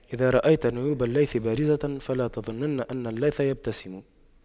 إذا رأيت نيوب الليث بارزة فلا تظنن أن الليث يبتسم